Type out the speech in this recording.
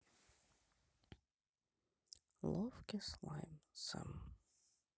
ловкий слайм сэм